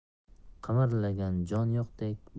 qimirlagan jon yo'qdek